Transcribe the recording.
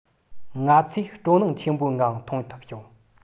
ང ཚོས སྤྲོ སྣང ཆེན པོའི ངང མཐོང ཐུབ བྱུང